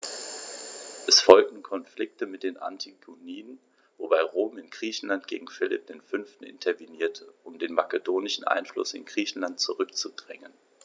Es folgten Konflikte mit den Antigoniden, wobei Rom in Griechenland gegen Philipp V. intervenierte, um den makedonischen Einfluss in Griechenland zurückzudrängen.